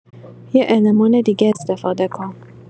یه المان دیگه استفاده کن